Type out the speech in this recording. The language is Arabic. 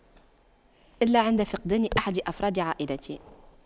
إلا عند فقدان أحد افراد عائلتي